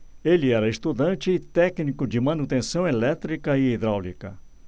ele era estudante e técnico de manutenção elétrica e hidráulica